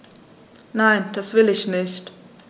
Nein, das will ich nicht.